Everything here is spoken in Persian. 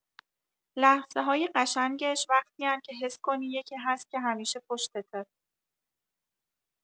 لحظه‌های قشنگش وقتی‌ان که حس کنی یکی هست که همیشه پشتته.